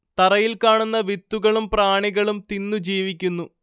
തറയിൽ കാണുന്ന വിത്തുകളും പ്രാണികളും തിന്നു ജീവിക്കുന്നു